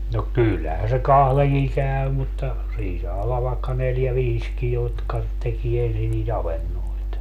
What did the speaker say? no kyllähän se kahdenkin käy mutta siinä saa olla vaikka neljä viisikin jotka tekee ensin niitä avantoja